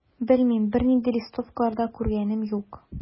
Белмим, бернинди листовкалар да күргәнем юк.